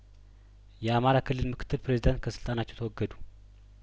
የአማራ ክልል ምክትል ፕሬዚዳንት ከስልጣናቸው ተወገዱ